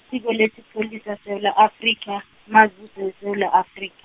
iphiko lesipholisa eSewula Afrika, uMazi- weSewula Afrik-.